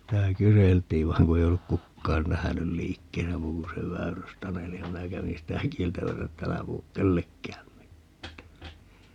sitä kyseltiin vaan kun ei ollut kukaan nähnyt liikkeessä muu kuin se Väyrys-Taneli ja minä kävin sitä kieltämässä että - älä puhu kenellekään mitään